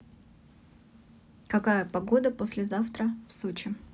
какая погода после завтра в сочи